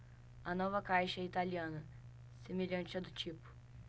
a nova caixa é italiana semelhante à do tipo